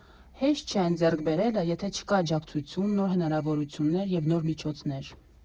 Հեշտ չէ այն ձեռք բերելը, եթե չկա աջակցություն, նոր հնարավորություններ և նոր միջոցներ։